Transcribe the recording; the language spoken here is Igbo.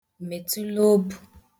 mètuloòbu